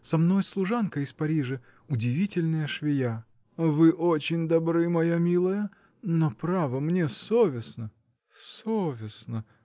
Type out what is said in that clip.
Со мной служанка из Парижа -- удивительная швея. -- Вы очень добры, моя милая. Но, право, мне совестно. -- Совестно.